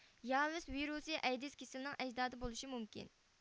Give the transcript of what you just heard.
ياۋىس ۋىرۇسى ئەيدىز كېسىلىنىڭ ئەجدادى بولۇشى مۇمكىن